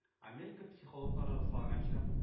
Америка психологлары раслаганча